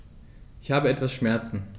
Ich habe etwas Schmerzen.